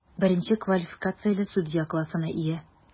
Беренче квалификацияле судья классына ия.